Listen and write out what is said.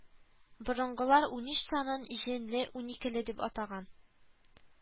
Борынгылар унөч санын җенле уникеле дип атаган